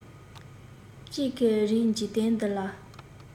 གཅིག གི རིང འཇིག རྟེན འདི ལ